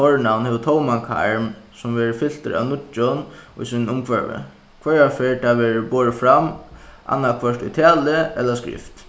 fornavn hevur tóman karm sum verður fyltur av nýggjum í sínum umhvørvi hvørja ferð tað verður borið fram annaðhvørt í talu ella skrift